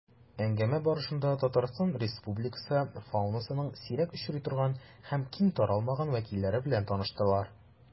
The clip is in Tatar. Әңгәмә барышында Татарстан Республикасы фаунасының сирәк очрый торган һәм киң таралмаган вәкилләре белән таныштылар.